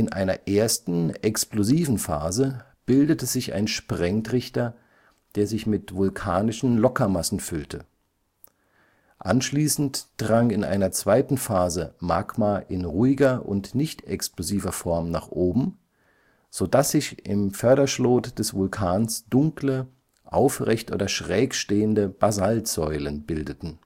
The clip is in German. einer ersten explosiven Phase bildete sich ein Sprengtrichter, der sich mit vulkanischen Lockermassen füllte. Anschließend drang in einer zweiten Phase Magma in ruhiger und nicht explosiver Form nach oben, so dass sich im Förderschlot des Vulkans dunkle, aufrecht oder schräg stehende Basaltsäulen bildeten